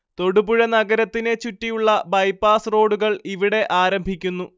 തൊടുപുഴ നഗരത്തിനെ ചുറ്റിയുള്ള ബൈപാസ് റോഡുകൾ ഇവിടെ ആരംഭിക്കുന്നു